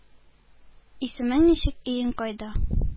Исемең ничек, өең кайда